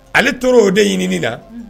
Ale t o de ɲini na